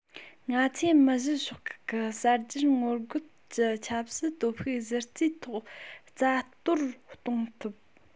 ང ཚོས མི བཞི ཤོག ཁག གི གསར བརྗེར ངོ རྒོལ གྱི ཆབ སྲིད སྟོབས ཤུགས གཞི རྩའི ཐོག རྩ གཏོར གཏོང ཐུབ